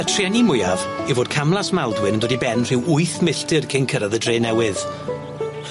Y trueni mwyaf yw fod camlas Maldwyn 'n dod i ben rhyw wyth milltir cyn cyrraedd y dre newydd.